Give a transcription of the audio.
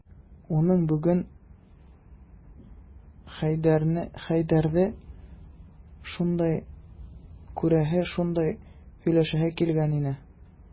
Аның бүген Хәйдәрне шундый күрәсе, шундый сөйләшәсе килгән иде...